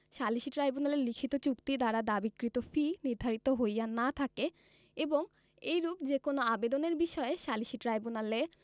সালিসী ট্রাইব্যুনালের লিখিত চুক্তি দ্বারা দাবীকৃত ফি নির্ধারিত হইয়া না থাকে এবং এইরূপ যে কোন আবেদনের বিষয়ে সালিসী ট্রাইব্যূনালের